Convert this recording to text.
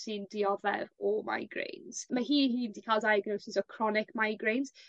sy'n dioddef o migraines. Ma' hi 'i hun 'di ca'l diagnosis o chronic migraines